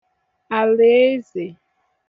àlàezè